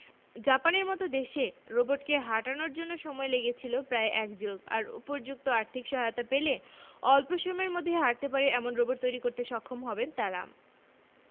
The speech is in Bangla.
জাপানের মতো দেশে রোবটকে হাঁটানোর জন্য সময় লেগেছিল প্রায় এক যুগ আর উপযুক্ত আর্থিক সহায়তা পেলে অল্প সময়ের মধ্যেই হাঁটতে পারে এমন রোবট তৈরি করতে সক্ষম হবেন তারা